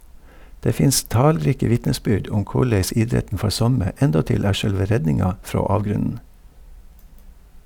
Det finst talrike vitnesbyrd om korleis idretten for somme endåtil er sjølve redninga frå avgrunnen.